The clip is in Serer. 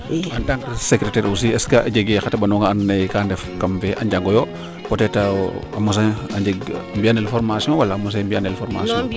en tant secretaire aussi jege xa teɓanong ando naye ka ndef kam fee a njango yo peut etre a mosa mbiya neloyo formation wala mose mbiyanel formation